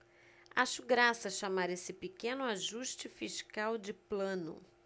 acho graça chamar esse pequeno ajuste fiscal de plano